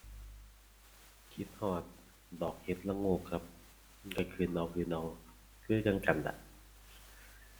คิดฮอดดอกเห็ดระโงกครับ ก็ขึ้นเอาขึ้นเอา คือจั่งกันล่ะ